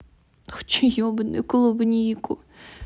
хочу ебаную клубнику